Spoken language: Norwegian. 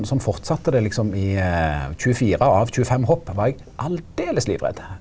sånn fortsette det liksom i 24 av 25 hopp var eg aldeles livredd.